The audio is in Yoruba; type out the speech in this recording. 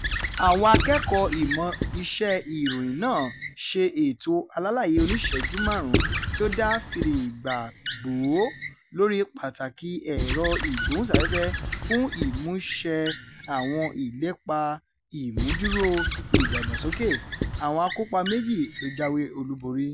Àwọn akẹ́kọ̀ọ́ ìmọ̀ iṣẹ́ ìròyìn náà ṣe ètò alálàyé oníṣẹ̀ẹ́jú 5 tí ó dá fìrìgbagbòó lóríi pàtàkìi ẹ̀rọ-ìgbóhùnsáfẹ́fẹ́ fún ìmúṣẹ àwọn ìlépa ìmúdúró ìdàgbàsókè. Àwọn àkópa méjì ló jáwé olúborí.